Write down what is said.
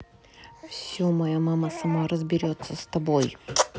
все моя мама сама разберется с тобой